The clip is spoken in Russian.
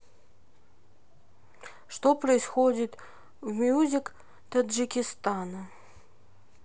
что происходит в music таджикистана